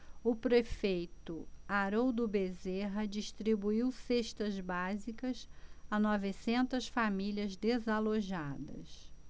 o prefeito haroldo bezerra distribuiu cestas básicas a novecentas famílias desalojadas